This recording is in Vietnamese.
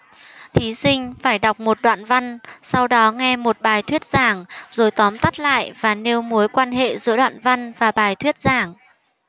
thí sinh phải đọc một đoạn văn sau đó nghe một bài thuyết giảng rồi tóm tắt lại và nêu mối quan hệ giữa đoạn văn và bài thuyết giảng